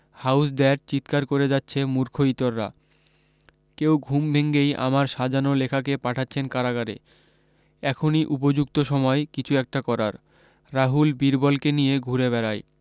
house that চিৎকার করে যাচ্ছে মূর্খ ইতররা কেউ ঘুম ভেঙ্গেই আমার সাজানো লেখাকে পাঠাচ্ছেন কারাগারে এখনি উপযুক্ত সময় কিছু একটা করার রাহুল বীরবলকে নিয়ে ঘুরে বেড়ায়